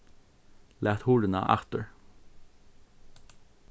lat hurðina aftur